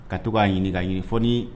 Ka to k'a ɲini k'a ɲini fɔ nii